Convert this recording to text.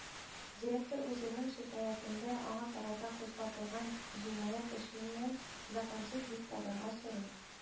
Директор үзенең шикаятендә аңа карата кузгатылган җинаять эшенен законсыз дип табарга сорый